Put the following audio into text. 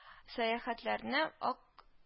Сәяхәтчеләрне ак